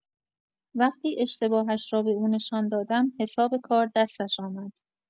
وقتی اشتباهاتش را به او نشان دادم، حساب کار دستش آمد.